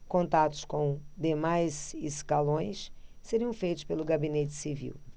contatos com demais escalões seriam feitos pelo gabinete civil